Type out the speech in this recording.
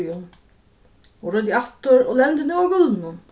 hon royndi aftur og lendi nú á gólvinum